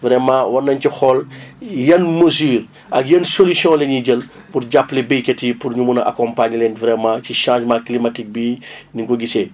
vraiment war nañu ci xool yan mesures ak yan solutions la ñuy jël pour jàppale béykat yi pour ñu mun a accompagner leen vraiment ci changement climatique bi ni ñu ko gisee